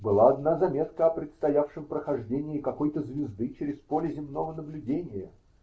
Была одна заметка о предстоявшем прохождении какой то звезды через поле земного наблюдения.